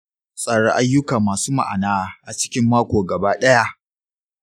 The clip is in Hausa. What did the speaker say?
tsara ayyuka masu ma’ana a cikin mako gaba ɗaya.